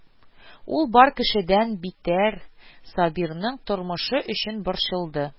Ул бар кешедән битәр Сабирның тормышы өчен борчылды